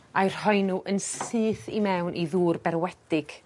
a'i rhoi n'w yn syth i mewn i ddŵr berwedig.